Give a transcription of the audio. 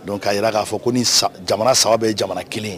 Don k'a jira k'a fɔ ko ni jamana saba bɛ jamana kelen